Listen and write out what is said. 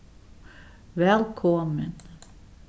vælkomin